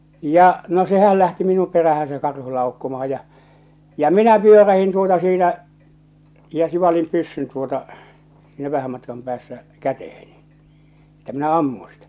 ja no sehän lähti minun perään se karhu laukkaamaan ja ja minä pyörähdin tuota siitä ja sivalsin pyssyn tuota sinä vähän matkan päässä käteeni että minä ammun sitä